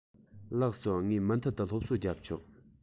ལགས སོ ངས མུ མཐུད དུ སློབ གསོ རྒྱབ ཆོག